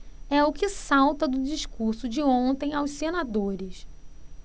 é o que salta do discurso de ontem aos senadores